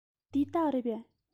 འདི སྟག རེད པས